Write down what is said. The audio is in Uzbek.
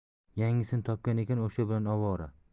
yangisini topgan ekan o'sha bilan ovora